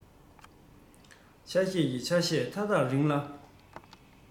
ཆ ཤས ཀྱི ཆ ཤས དག ཐག རིང ན